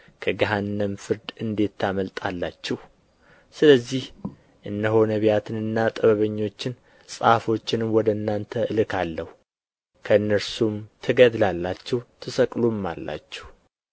ከገሃነም ፍርድ እንዴት ታመልጣላችሁ ስለዚህ እነሆ ነቢያትንና ጥበበኞችን ጻፎችንም ወደ እናንተ እልካለሁ ከእነርሱም ትገድላላችሁ ትሰቅሉማላችሁ